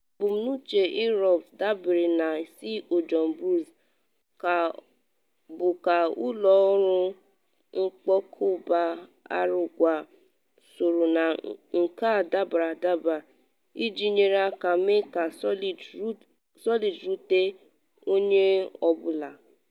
Ebumnuche Inrupt, dabere na CEO John Bruce, bụ ka ụlọ ọrụ kpokọba, akụrụngwa, usoro na nka dabara daba iji nyere aka mee ka Solid rute onye ọ bụla.